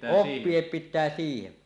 oppia pitää siihen